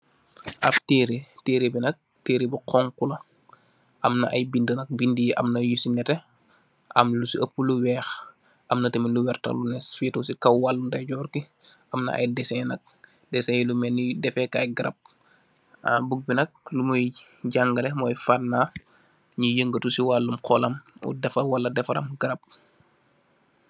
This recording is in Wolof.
Ap teré, teré bi nak, teré bu xonxu la am ay bindé nak bindé yi am an yu ci netteh am lu si opu lu wèèx , am na tamit lu werta lu fetu ci kaw wàllum ndeyjoor gi. Am na ay desen nak, desen lu melni defer kay garap. Buk bi nak lu muuy janga lèè moy fana yii yangatu ci wàllum xollam wala defaram garap.